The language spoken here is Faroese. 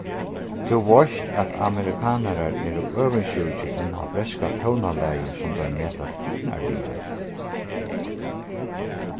tú veitst at amerikanarar eru øvundsjúkir inn á bretska tónalagið sum teir meta tignarligari